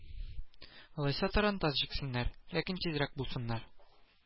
Алайса тарантас җиксеннәр, ләкин тизрәк булсыннар